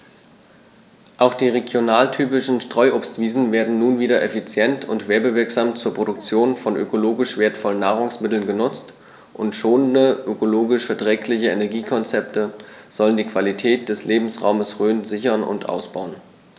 Auch die regionaltypischen Streuobstwiesen werden nun wieder effizient und werbewirksam zur Produktion von ökologisch wertvollen Nahrungsmitteln genutzt, und schonende, ökologisch verträgliche Energiekonzepte sollen die Qualität des Lebensraumes Rhön sichern und ausbauen.